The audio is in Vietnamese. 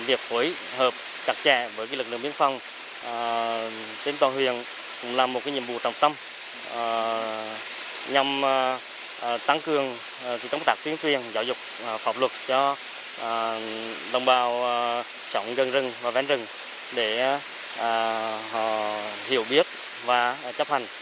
việc phối hợp chặt chẽ với lực lượng biên phòng ờ trên toàn huyện là một cái nhiệm vụ trọng tâm ờ nhầm à tăng cường công tác tuyên truyền giáo dục pháp luật cho ờ đồng bào sống gần rừng ven rừng để à họ hiểu biết và chấp hành